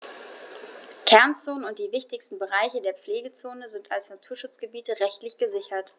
Kernzonen und die wichtigsten Bereiche der Pflegezone sind als Naturschutzgebiete rechtlich gesichert.